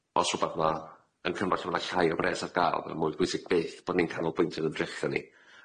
Os rwbath ma' yn ma' 'na llai o bres ar ga'l ma' mwy bwysig byth bo' ni'n canolbwyntio ar ymdrechion ni.